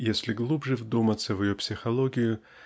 если глубже вдуматься в ее психологию